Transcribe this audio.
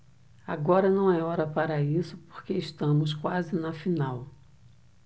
agora não é hora para isso porque estamos quase na final